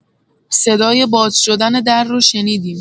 صدای باز شدن در رو شنیدیم.